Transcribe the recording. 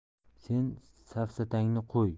sen safsatangni qo'y